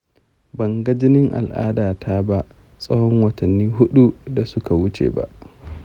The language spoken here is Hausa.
ban ga jinin al’adata ba tsawon watanni huɗu da suka wuce ba.